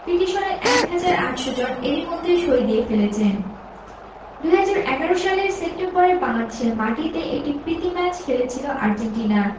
পিটিশনে ১ হাজার ৮০০ জন এরই মধ্যে সই দিয়ে ফেলেছেন ২০১১ সালের সেপ্টেম্বরে বাংলাদেশের মাটিতে একটি প্রীতি ম্যাচ খেলেছিল আর্জেন্টিনা